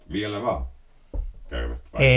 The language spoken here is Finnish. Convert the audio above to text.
vielä vain käyvät vai